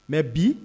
Mɛ bi